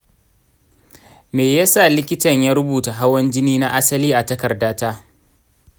me ya sa likitan ya rubuta hawan jini na asali a takardata?